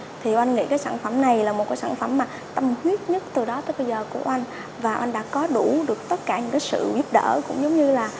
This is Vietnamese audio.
thì oanh nghĩ cái sản phẩm này là một cái sản phẩm mà tâm huyết nhất từ đó tới bây giờ của oanh và oanh đã có đủ được tất cả những cái sự giúp đỡ cũng giống như là